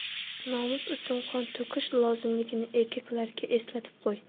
nomus uchun qon to'kish lozimligini erkaklarga eslatib qo'y